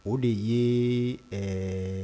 O de ye ɛɛ